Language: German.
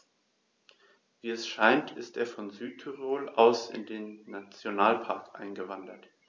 Wie es scheint, ist er von Südtirol aus in den Nationalpark eingewandert.